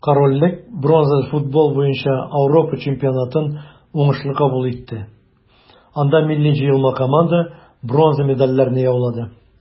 Корольлек бронза футбол буенча Ауропа чемпионатын уңышлы кабул итте, анда милли җыелма команда бронза медальләрне яулады.